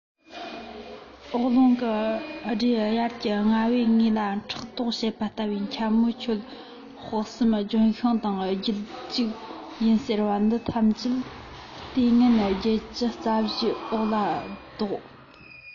འོག རླུང གི སྒྲས དབྱར གྱི རྔ བསངས ལ ཕྲག དོག བྱེད པ ལྟ བུའི འཁྱམས མོ ཁྱོད དཔག བསམ ལྗོན ཤིང དང རྒྱུད གཅིག ཡིན ཟེར བ འདི ཐམས ཅད ལྟས ངན བརྒྱད ཅུ རྩ བཞིའི འོག ལ བཟློག